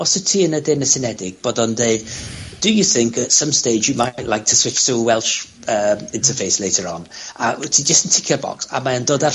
os wt ti yn y Deurnas Unedig bod o'n deud do you think at some stage you might like to switch to Welsh yym, interface later on. A wyt ti jyst yn ticio'r bocs, a mae yn dod â'r...